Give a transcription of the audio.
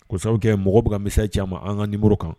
Ko sababu kɛ mɔgɔ bɛ ka message ci anan ma an ka numéro kan